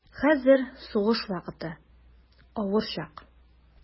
Хәзер сугыш вакыты, авыр чак.